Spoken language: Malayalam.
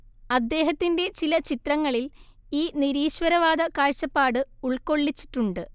അദ്ദേഹത്തിന്റെ ചില ചിത്രങ്ങളിൽ ഈ നിരീശ്വരവാദ കാഴ്ചപ്പാട് ഉൾക്കൊള്ളിച്ചിട്ടുണ്ട്